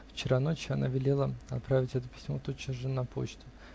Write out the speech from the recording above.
Вчера ночью она велела отправить это письмо тотчас на почту.